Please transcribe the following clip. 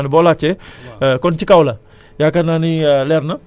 ok kooku moom defe naa ne leer na montagne la kër Lika moom defe naa ne boo laajtee